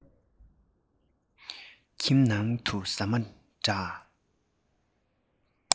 ཁྱིམ ནང དུ ཟ མ འདྲ